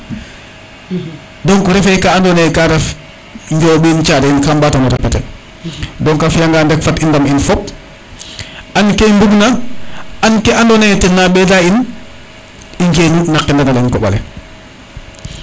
donc refe ka ando naye ka ref Ndiomb in Thiare yin kam mbatano repeter donc a fiya ngan rek fat i ndam in fop an ke i mbug na an ke ando naye tena ɓeda in i ngenu na keɓandale koɓale